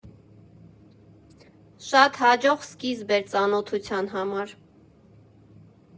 Շատ հաջող սկիզբ էր ծանոթության համար։